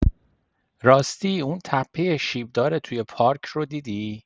راستی، اون تپۀ شیب‌دار توی پارک رو دیدی؟